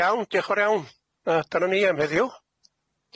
Iawn diolch yn fawr iawn yy dyna ni am heddiw.